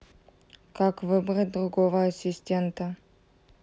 как выбрать другого ассистента